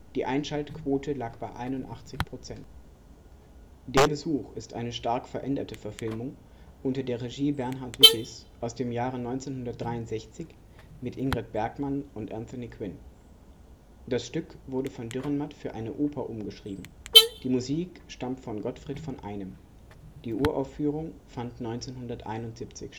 Die Einschaltquote lag bei 81 Prozent. Der Besuch ist eine stark veränderte Verfilmung unter der Regie Bernhard Wickis aus dem Jahre 1963 mit Ingrid Bergman und Anthony Quinn. Das Stück wurde von Dürrenmatt für eine Oper umgeschrieben; die Musik stammt von Gottfried von Einem. Die Uraufführung fand 1971